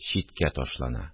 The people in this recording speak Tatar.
Читкә ташлана